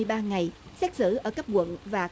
ba ngày xét xử ở cấp quận và